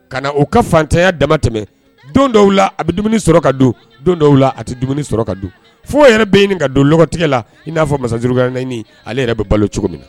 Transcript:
Ka na u ka fantanya dama tɛmɛ don dɔw la a bɛ dumuni sɔrɔ ka don don dɔw la a tɛ dumuni sɔrɔ ka don fo yɛrɛ bɛ yen ɲininka ka don tigɛ la i n'a fɔ masauruyaɲini ale yɛrɛ bɛ balo cogo min